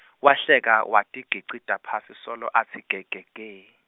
Wahleka, watigicita phansi solo atsi gegege.